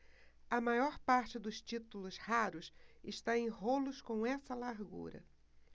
a maior parte dos títulos raros está em rolos com essa largura